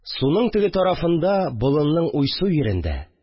Суның теге тарафында, болынның уйсу йирендә